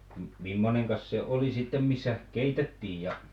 mimmoinen se oli sitten missä keitettiin ja